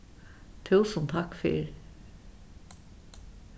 túsund takk fyri